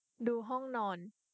ดูห้องนอน